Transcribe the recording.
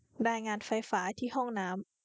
รายงานไฟฟ้าที่ห้องน้ำ